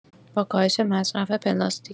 با کاهش مصرف پلاستیک